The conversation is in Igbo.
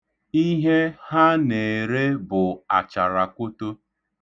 Ihe ha na-ere bụ acharakwoto.